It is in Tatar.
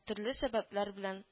Төрле сәбәпләр белән